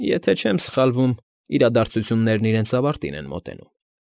Եթե չեմ սխալվում, իրադարձություններն իրենց ավարտին են մոտենում։